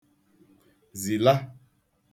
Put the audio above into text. zìla